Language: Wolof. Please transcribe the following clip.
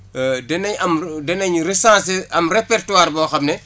danañ am danañ recenser am repertoire boo xam ne